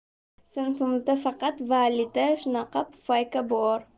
sinfimizda faqat valida shunaqa pufayka bor